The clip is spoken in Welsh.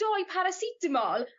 doi paracetamol